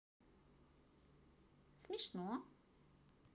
смешно